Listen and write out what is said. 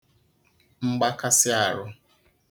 mgbakasị arụ